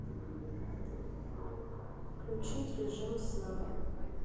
включить режим сна